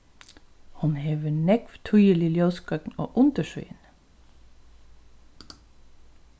hon hevur nógv týðilig ljósgøgn á undirsíðuni